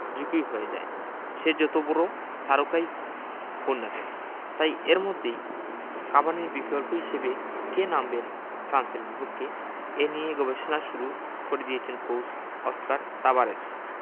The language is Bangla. ঝুঁকিই হয়ে যায় সে যত বড় তারকাই হোন না কেন তাই এর মধ্যেই কাভানির বিকল্প হিসেবে কে নামবেন ফ্রান্সের বিপক্ষে এই নিয়ে গবেষণা শুরু করে দিয়েছেন কোচ অস্কার তাবারেজ